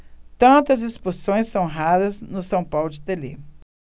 tantas expulsões são raras no são paulo de telê